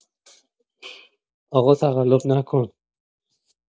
آقا تقلب نکن